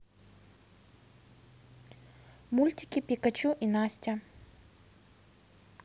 мультики пикачу и настя